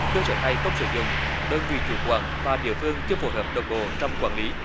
cơ sở hai không sử dụng đơn vị chủ quản và địa phương chưa phối hợp đồng bộ trong quản lý